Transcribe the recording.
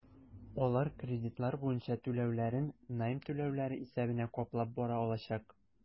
Алар кредитлар буенча түләүләрен найм түләүләре исәбенә каплап бара алачак.